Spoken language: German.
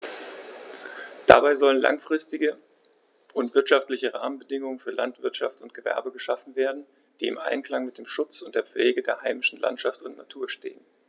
Dabei sollen langfristige und wirtschaftliche Rahmenbedingungen für Landwirtschaft und Gewerbe geschaffen werden, die im Einklang mit dem Schutz und der Pflege der heimischen Landschaft und Natur stehen.